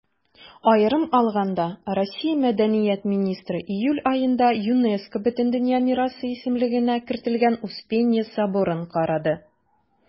Аерым алганда, Россия Мәдәният министры июль аенда ЮНЕСКО Бөтендөнья мирасы исемлегенә кертелгән Успенья соборын карады.